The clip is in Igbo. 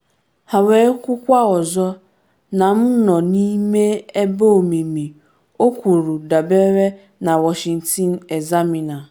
Ha wee kwukwa ọzọ, na m nọ n’ime ebe omimi.” o kwuru, dabere na Washington Examiner.